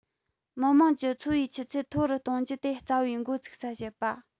མི དམངས ཀྱི འཚོ བའི ཆུ ཚད མཐོ རུ གཏོང རྒྱུ དེ རྩ བའི འགོ ཚུགས ས བྱེད པ